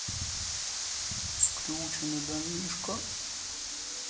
скрюченый домишко